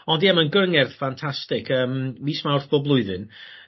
Ond ie mae'n gyngerdd ffantastig yym mis Mawrth bob blwyddyn.